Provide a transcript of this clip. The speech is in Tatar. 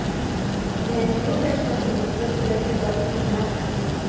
Ә менә әтинең яшь хатыны укуны бетерәсе бар дип тормаган.